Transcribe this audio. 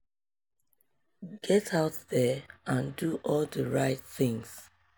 Get out there and do all the right things.